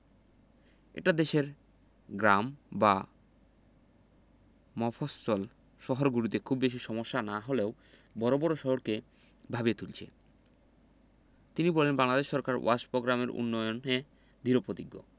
এটা দেশের গ্রাম বা মফস্বল শহরগুলোতে খুব বেশি সমস্যা না হলেও বড় বড় শহরকে ভাবিয়ে তুলেছে তিনি বলেন বাংলাদেশ সরকার ওয়াশ প্রোগ্রামের উন্নয়নে দৃঢ়প্রতিজ্ঞ